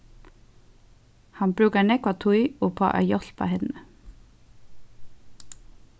hann brúkar nógva tíð upp á at hjálpa henni